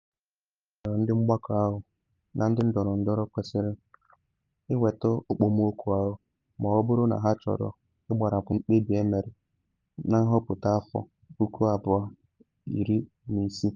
Maazị Farage gwara ndị mgbakọ ahụ na ndị ndọrọndọrọ kwesịrị “ịnweta okpomọkụ ahụ’ ma ọ bụrụ na ha chọrọ ịgbarapụ mkpebi emere na nhọpụta 2016.